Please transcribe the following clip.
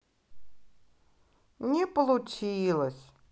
не получилось